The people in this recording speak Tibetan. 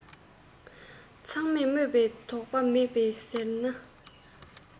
ཚང མས སྨོད པའི འདོད པ མེད ཟེར ན